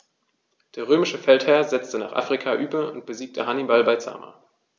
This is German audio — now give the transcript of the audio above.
Der römische Feldherr setzte nach Afrika über und besiegte Hannibal bei Zama.